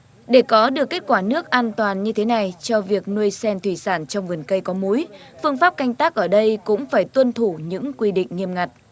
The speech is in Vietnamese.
để có được kết quả nước an toàn như thế này cho việc nuôi sen thủy sản trong vườn cây có múi phương pháp canh tác ở đây cũng phải tuân thủ những quy định nghiêm ngặt